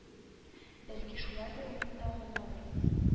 Бәлки шулайдыр ул монда гынадыр